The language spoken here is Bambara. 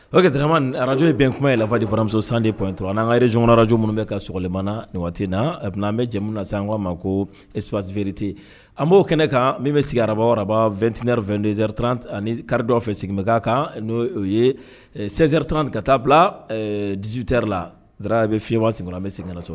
Oke durama araj ye bɛ kuma ye lafifadiramuso san pto to an' kare zgɔnrajo minnu bɛ ka sogolimana na na an bɛ jɛmu na sisan k'a ma ko epsivte an b'o kɛnɛ kan min bɛ sigi araraba a2tina2zri ni kari dɔw fɛ sigimɛ' kan n' ye srit ka taa bila ditudite la dra a bɛ fi wa sigi la an bɛ sigi so